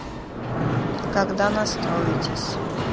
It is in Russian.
когда настроитесь